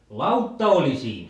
lautta oli siinä